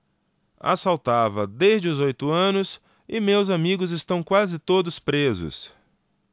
assaltava desde os oito anos e meus amigos estão quase todos presos